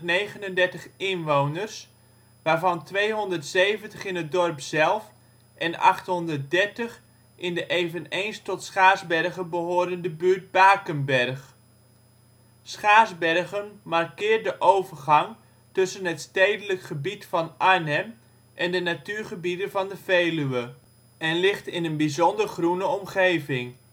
1839 inwoners, waarvan 270 in het dorp zelf en 830 in de eveneens tot Schaarsbergen behorende buurt Bakenberg. Schaarsbergen markeert de overgang tussen het stedelijke gebied van Arnhem en de natuurgebieden van de Veluwe, en ligt in een bijzonder groene omgeving